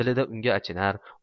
dilida unga achinar